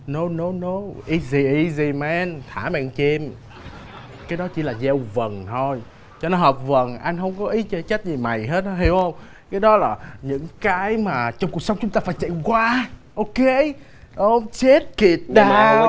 nâu nâu nâu i dì i dì men thả màn chin cái đó chỉ là gieo vần thôi cho nó hợp vần anh không có ý chê trách gì mày hết hiểu hông cái đó là những cái mà trong cuộc sống chúng ta phải chạy qua ô kê ô chếch kịt đao